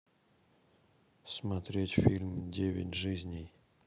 смотреть фильм девять жизней